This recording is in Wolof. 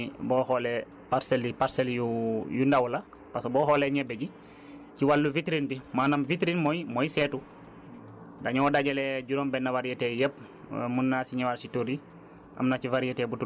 te jamono bii nii boo xoolee parcelles yi parcelles yu yu ndaw la parce que boo xoolee ñebe ji ci wàllu vitrine bi maanaam vitrine mooy seetu dañoo dajale juróom-benn variétés yépp mën naa si ñëwaat si tur yi